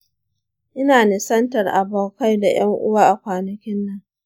ina nisantar abokai da ’yan uwa a kwanakin nan.